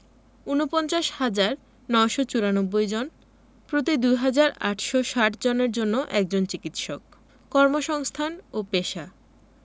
৪৯হাজার ৯৯৪ জন প্রতি ২হাজার ৮৬০ জনের জন্য একজন চিকিৎসক কর্মসংস্থান ও পেশাঃ